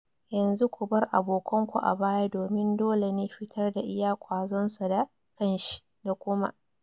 Yanzu, ku bar abokanku a baya domin dole ne fitar da iya kwazon sa da kanshi, da kuma. "